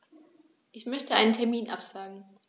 Ich möchte einen Termin absagen.